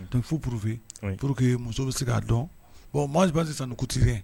Tun fu purfin pur que muso bɛ se k'a dɔn maa sisan tigɛ